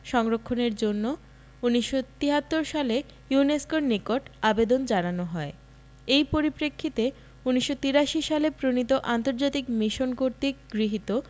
সংরক্ষণের জন্য ১৯৭৩ সালে ইউনেস্কোর নিকট আবেদন জানানো হয় এই পরিপ্রেক্ষিতে ১৯৮৩ সালে প্রণীত আন্তর্জাতিক মিশন কর্তৃক গৃহীত